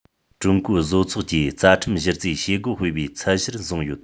ཀྲུང གོའི བཟོ ཚོགས ཀྱིས རྩ ཁྲིམས གཞི རྩའི བྱེད སྒོ སྤེལ བའི ཚད གཞིར བཟུང ཡོད